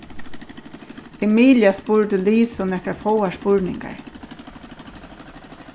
emilia spurdi lisu nakrar fáar spurningar